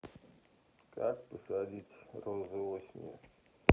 как посадить розы осенью